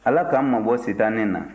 ala k'an mabɔ sitanɛ na